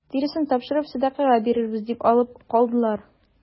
Тиресен тапшырып сәдакага бирәбез дип алып калдылар.